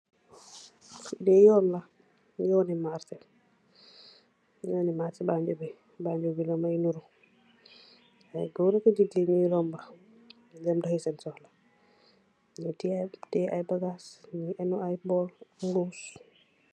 Lii yoon la, yooni marseh Banjul bi lamoy niru ay gurubi niti nyungi romba di dem dohi sen sohla tiyee ay bagaas nyii enu ay bowl, mbuss